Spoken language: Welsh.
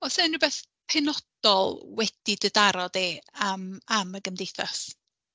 Oes 'na unrhyw beth penodol wedi dy daro di am am y Gymdeithas?